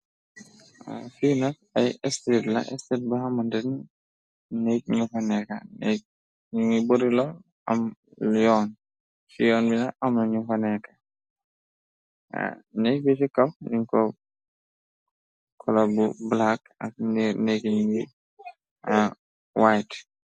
Fi nak ay estate la estate bo xamtexne neeg mofa neka ñu bari la am yoon si yoon bi amna nyu fa neka neeg bi si kaw nyun ko colar bu black ak neeg bi white.